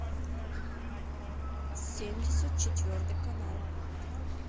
семьдесят четвертый канал